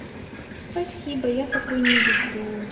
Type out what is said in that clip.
спасибо я такой не люблю